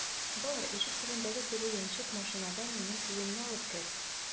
Бар, ишек төбендәге теге яньчек машинадан минем төенне алып кер!